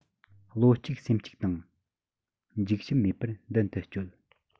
བློ གཅིག སེམས གཅིག དང འཇིགས ཞུམ མེད པར མདུན དུ བསྐྱོད